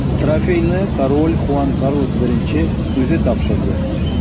Трофейны король Хуан Карлос I үзе тапшырды.